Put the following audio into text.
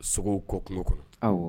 Sogow kɔ kungo kɔnɔ